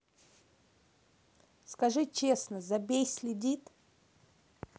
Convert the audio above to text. скажи честно забей следит